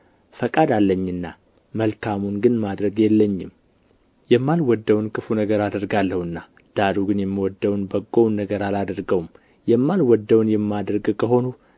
ፈቃድ አለኝና መልካሙን ግን ማድረግ የለኝም የማልወደውን ክፉን ነገር አደርጋለሁና ዳሩ ግን የምወደውን በጎውን ነገር አላደርገውም የማልወደውን የማደርግ ከሆንሁ